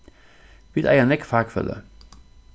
vit eiga nógv fakfeløg